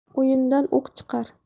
o'yindan o'q chiqar